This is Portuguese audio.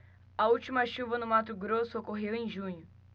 a última chuva no mato grosso ocorreu em junho